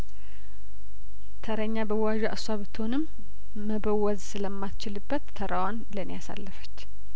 ተረኛ በዋዧ እሷ ብትሆንም መበወዝ ስለማትችልበት ተረዋን ለኔ አሰለፈች